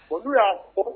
O don yan